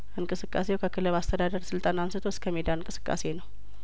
እንቅስቃሴው ከክለብ አስተዳደር ስልጠና አንስቶ እስከሜዳ እንቅስቃሴ ነው